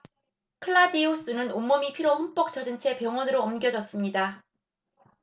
클라우디우스는 온몸이 피로 흠뻑 젖은 채 병원으로 옮겨졌습니다